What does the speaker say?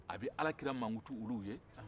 a bɛ alakira mankutu olu ye